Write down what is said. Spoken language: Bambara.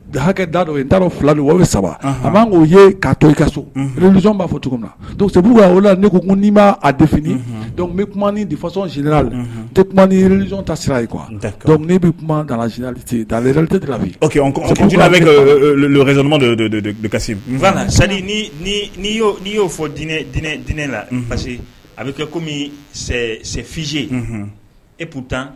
Hakɛ dadɔ ye dadɔ fila don o bɛ saba a b'an k'o ye'a to i ka soz b' fɔ tugu na sabu la ne ko n'i'a def bɛ defasɔn la to tuma niz ta sira yen qu e bɛ kuma te lafi sabu a bɛ kama sani'i y'o fɔ dinɛ la parce que a bɛ kɛ kɔmi sɛ fisi ye e pu tan